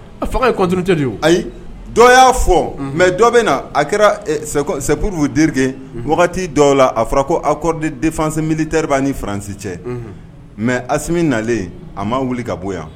A fanga yettedi ayi dɔ y'a fɔ mɛ dɔ bɛ na a kɛra sɛpururi bereke wagati dɔw la a fɔra ko akdi defasen mili teriba ni faransi cɛ mɛ ami nalen a m' wuli ka bɔ yan